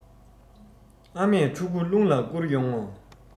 ཨ མས ཕྲུ གུ རླུང ལ བསྐུར ཡོང ངོ